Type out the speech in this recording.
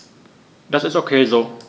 Das ist ok so.